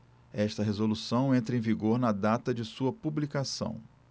esta resolução entra em vigor na data de sua publicação